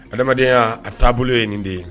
Adamadenya a taabolo de ye nin de ye.